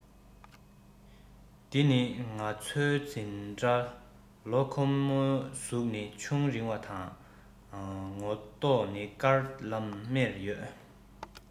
དི ནི ང ཚོའི འཛིན གྲྭ ལ ཁོ མོའི གཟུགས ནི ཅུང རིང བ དང ངོ མདོག ནི དཀར ལམ མེར ཡོད